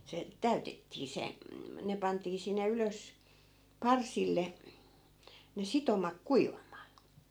se täytettiin se ne pantiin sinne ylös parsille ne sitomat kuivamaan